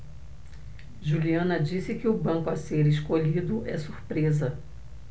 juliana disse que o banco a ser escolhido é surpresa